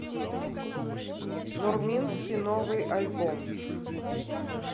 нурминский новый альбом